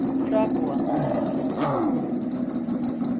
fráboðan